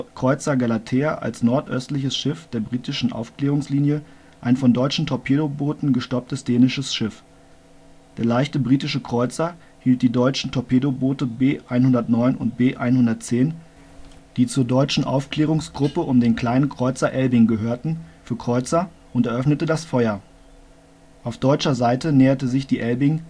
Kreuzer Galathea als nordöstliches Schiff der britischen Aufklärungslinie ein von deutschen Torpedobooten gestopptes dänisches Schiff. Der leichte britische Kreuzer hielt die deutschen Torpedoboote B 109 und B 110, die zur deutschen Aufklärungsgruppe um den Kleinen Kreuzer Elbing gehörten, für Kreuzer und eröffnete das Feuer. Auf deutscher Seite näherte sich die Elbing